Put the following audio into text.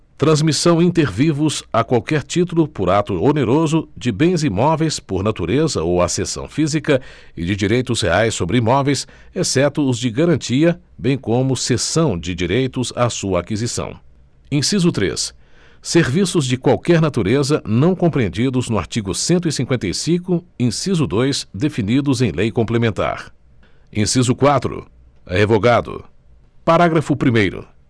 transmissão inter vivos a qualquer título por ato oneroso de bens imóveis por natureza ou acessão física e de direitos reais sobre imóveis exceto os de garantia bem como cessão de direitos a sua aquisição inciso três serviços de qualquer natureza não compreendidos no artigo cento e cinquenta e cinco inciso dois definidos em lei complementar inciso quatro revogado parágrafo primeiro